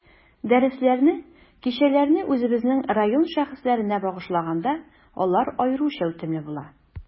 Дәресләрне, кичәләрне үзебезнең район шәхесләренә багышлаганда, алар аеруча үтемле була.